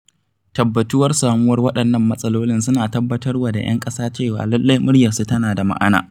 Tabbatuwar samuwar waɗannan matsalolin suna tattabarwa da 'yan ƙasa cewa lallai muryarsu tana da ma'ana.